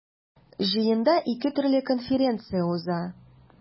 Җыенда ике төрле конференция уза.